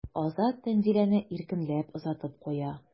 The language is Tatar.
Азат Тәнзиләне иркенләп озатып куя.